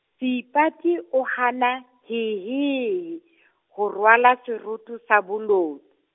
Seipati o hana hehehe , ho rwala seroto sa boloyi.